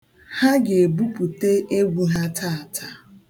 Ha ga-ebupute egwu ha taata.